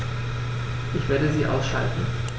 Ich werde sie ausschalten